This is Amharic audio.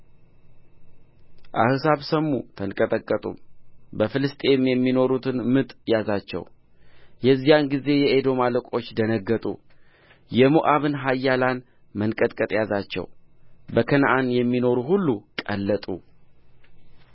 አሕዛብ ሰሙ ተንቀጠቀጡም በፍልስጥኤም የሚኖሩትን ምጥ ያዛቸው የዚያን ጊዜ የኤዶም አለቆች ደነገጡ የሞአብን ኃያላን መንቀጥቀጥ ያዛቸው በከነዓን የሚኖሩ ሁሉ ቀለጡ